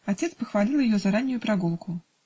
Отец похвалил ее за раннюю прогулку.